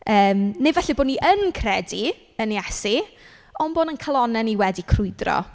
Yym neu falle bo' ni yn credu yn Iesu, ond bod yn calonnau ni wedi crwydro.